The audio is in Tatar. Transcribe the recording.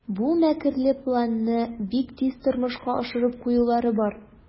Бу мәкерле планны бик тиз тормышка ашырып куюлары бар.